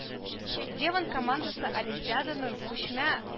Девон командасы олимпиаданың күчмә